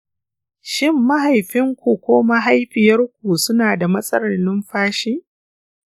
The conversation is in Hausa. shin mahaifinku ko mahaifiyarku suna da matsalar numfashi?